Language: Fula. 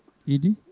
Idy